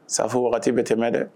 Safo wagati bɛ tɛmɛ dɛ